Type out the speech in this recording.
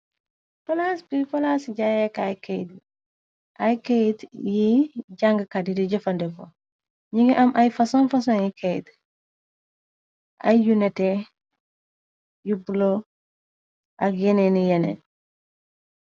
Palaas bi polaa ci jayeek k ay kayt yi jàng kayi di jëfandefo ni ngi am ay fason fasonyi kaytë ay yu nete yu bulo ak yeneeni yenee.